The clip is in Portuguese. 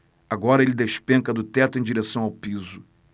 agora ele despenca do teto em direção ao piso